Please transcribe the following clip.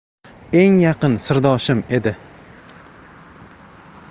eng yaqin sirdoshim edi